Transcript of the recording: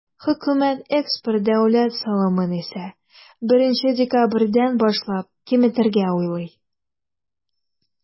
Хөкүмәт экспорт дәүләт салымын исә, 1 декабрьдән башлап киметергә уйлый.